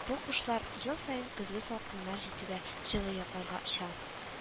Бу кошлар ел саен көзге салкыннар җитүгә җылы якларга оча